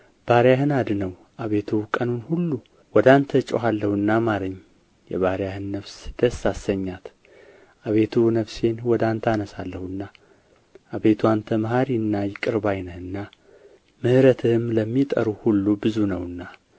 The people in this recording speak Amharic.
ባሪያህን አድነው አቤቱ ቀኑን ሁሉ ወደ አንተ እጮኻለሁና ማረኝ የባሪያህን ነፍስ ደስ አሰኛት አቤቱ ነፍሴን ወደ አንተ አነሣለሁና አቤቱ አንተ መሓሪና ይቅር ባይ ነህና ምሕረትህም ለሚጠሩህ ሁሉ ብዙ ነውና